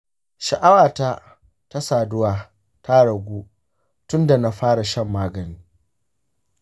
sha’awata ta saduwa ta ragu tun da na fara shan magani.